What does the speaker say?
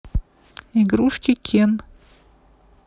игрушки кен